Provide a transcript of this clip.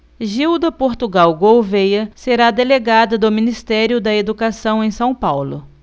gilda portugal gouvêa será delegada do ministério da educação em são paulo